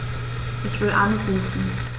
Ich will anrufen.